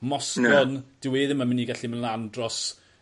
Moscon dyw e ddim yn myn' i gallu myn' lan dros